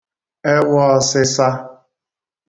ewọōsị̄sā